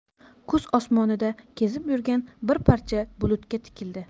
kuz osmonida kezib yurgan bir parcha bulutga tikildi